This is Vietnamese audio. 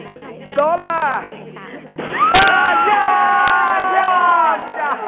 đó là a